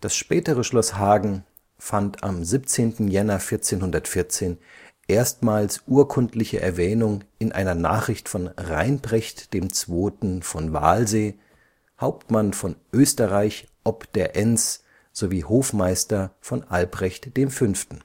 spätere Schloss Hagen fand am 17. Jänner 1414 erstmals urkundliche Erwähnung in einer Nachricht von Reinprecht II. von Walsee, Hauptmann von Österreich ob der Enns sowie Hofmeister von Albrecht V..